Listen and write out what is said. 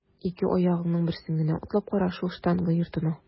Ике аягыңның берсен генә атлап кара шул штанга йортына!